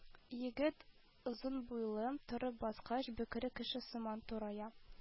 Егет озын буйлы, торып баскач, бөкре кеше сыман турая